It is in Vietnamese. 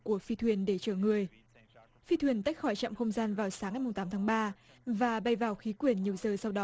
của phi thuyền để chở người phi thuyền tách khỏi trạm không gian vào sáng ngày mùng tám tháng ba và bay vào khí quyển nhiều giờ sau đó